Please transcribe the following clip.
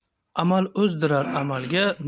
amal o'zdirar amalga